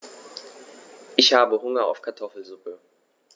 Ich habe Hunger auf Kartoffelsuppe.